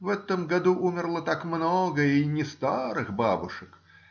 В этом году умерло так много и не старых бабушек.